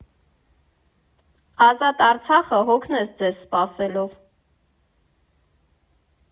Ազատ Արցախը հոգնեց ձեզ սպասելով։